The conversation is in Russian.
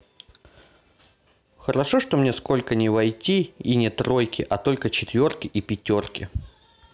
хорошо что мне сколько не войти и не тройки а только четверки и пятерки